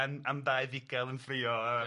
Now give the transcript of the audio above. am am dau fugail yn ffruo... Ia...